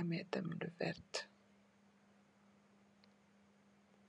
ameh lu werta.